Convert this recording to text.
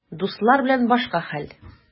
Дуслар белән башка хәл.